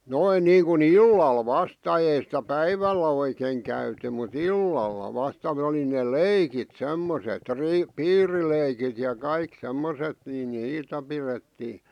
noin niin kuin illalla vasta ei sitä päivällä oikein käyty mutta illalla vasta ne oli ne leikit semmoiset - piirileikit ja kaikki semmoiset niin niitä pidettiin